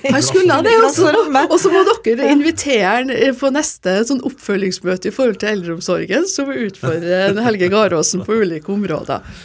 han skulle det og så må dere invitere han på neste sånn oppfølgingsmøte i forhold til eldreomsorgen som vil utfordre Helge Garåsen på ulike områder.